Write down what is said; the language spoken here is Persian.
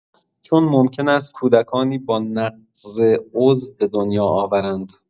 چون ممکن است کودکانی با نقض عضو به دنیا آورند.